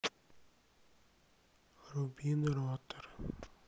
рубин ротор